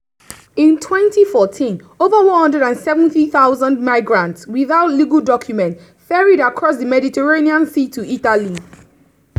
In 2014, over 170,000 migrants without legal documents ferried across the Mediterranean Sea to Italy.